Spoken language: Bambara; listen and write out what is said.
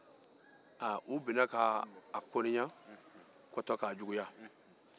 u binna k'a kɔniya